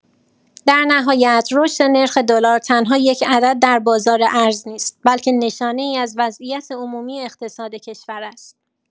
در نهایت رشد نرخ دلار تنها یک عدد در بازار ارز نیست، بلکه نشانه‌ای از وضعیت عمومی اقتصاد کشور است.